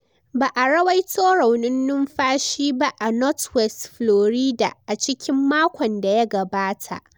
Ba a ruwaito raunin numfashi ba a Northwest Florida a cikin makon da ya gabata.